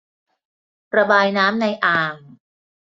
ระบายน้ำในอ่าง